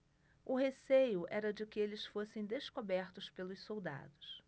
o receio era de que eles fossem descobertos pelos soldados